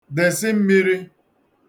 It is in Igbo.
desị mmirī